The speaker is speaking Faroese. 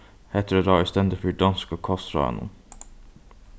hetta er eitt ráð ið stendur fyri donsku kostráðunum